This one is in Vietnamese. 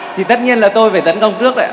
thì tất nhiên là tôi phải tấn công trước rồi ạ